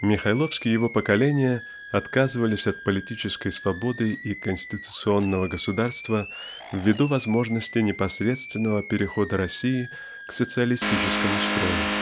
Михайловский и его поколение отказывались от политической свободы и конституционного государства ввиду возможности непосредственного перехода России к социалистическому строю.